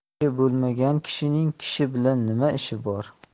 kishi bo'lmagan kishining kishi bilan nima ishi bor